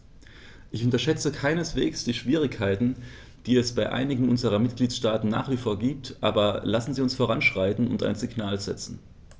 Ich unterschätze keineswegs die Schwierigkeiten, die es bei einigen unserer Mitgliedstaaten nach wie vor gibt, aber lassen Sie uns voranschreiten und ein Signal setzen.